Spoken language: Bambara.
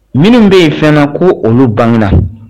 Minnu bɛ yen fana ko olu banuna